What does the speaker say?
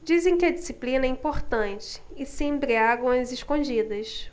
dizem que a disciplina é importante e se embriagam às escondidas